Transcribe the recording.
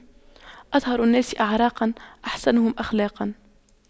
أطهر الناس أعراقاً أحسنهم أخلاقاً